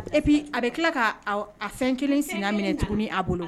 Et puis a bɛ tila kaa awɔ a fɛnkelen sina minɛ tuguni a bolo